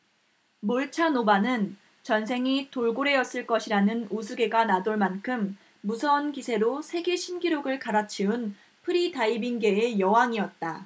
몰차노바는 전생이 돌고래였을 것이라는 우스개가 나돌만큼 무서운 기세로 세계신기록을 갈아치운 프리다이빙계의 여왕이었다